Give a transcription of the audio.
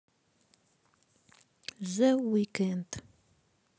зе уикенд